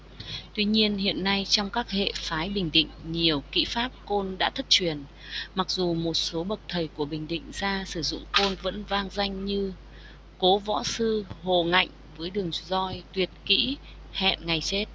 tuy nhiên hiện nay trong các hệ phái bình định nhiều kỹ pháp côn đã thất truyền mặc dù một số bậc thầy của bình định gia sử dụng côn vẫn vang danh như cố võ sư hồ ngạnh với đường roi tuyệt kỹ hẹn ngày chết